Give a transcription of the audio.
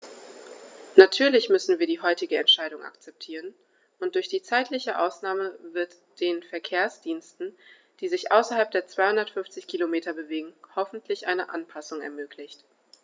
Natürlich müssen wir die heutige Entscheidung akzeptieren, und durch die zeitliche Ausnahme wird den Verkehrsdiensten, die sich außerhalb der 250 Kilometer bewegen, hoffentlich eine Anpassung ermöglicht.